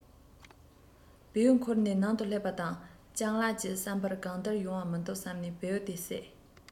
བེའུ འཁུར ནས ནང དུ སླེབས པ དང སྤྱང ལགས ཀྱི བསམ པར གང ལྟར ཡོང བ མི འདུག བསམས ནས བེའུ དེ བསད